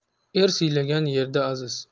er siylagan yerda aziz